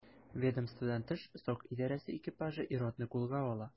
Ведомстводан тыш сак идарәсе экипажы ир-атны кулга ала.